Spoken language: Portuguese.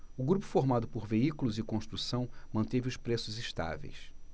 o grupo formado por veículos e construção manteve os preços estáveis